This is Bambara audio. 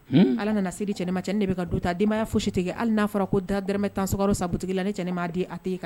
Ala nana se di cɛnin ma cɛnin ne bɛ ka du ta denbaya fosi tɛ yen hali n'a fɔra ko taa dɛrɛmɛ 10 sukaro san boutique la ni cɛnin m'a di a tɛ yen k'a